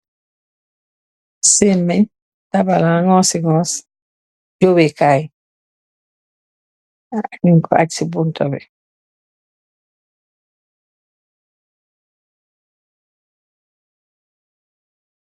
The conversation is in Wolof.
Sèmèèñ, dabala, ngoosi ngoosi , gubeh Kai ñung ko aj ci butta bi.